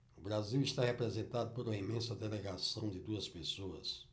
o brasil está representado por uma imensa delegação de duas pessoas